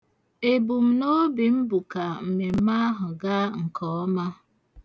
Ebumnobi m bụ ka mmemme ahụ ga nke ọma.